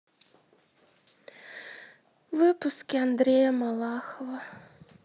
выпуски андрея малахова